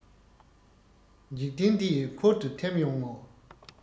འཇིག རྟེན འདི ཡི འཁོར དུ ཐིམ ཡོང ངོ